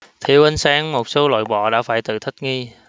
thiếu ánh sáng một số loại bọ đã phải tự thích nghi